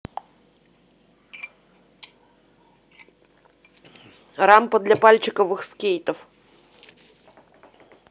рампа для пальчиковых скейтов